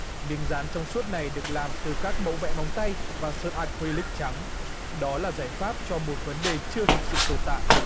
miếng dán trong suốt này được làm từ các mẫu vẽ móng tay và sơn a cờ ri níc trắng đó là giải pháp cho một vấn đề chưa thực sự tồn tại